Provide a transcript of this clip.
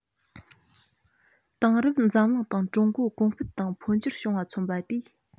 དེང རབས འཛམ གླིང དང ཀྲུང གོ གོང འཕེལ དང འཕོ འགྱུར བྱུང བ མཚོན པ དེས